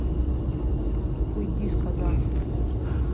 уйди сказал